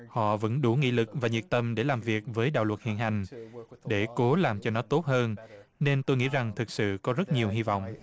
họ vẫn đủ nghị lực và nhiệt tình để làm việc với đạo luật hiện hành để cố làm cho nó tốt hơn nên tôi nghĩ rằng thực sự có rất nhiều hy vọng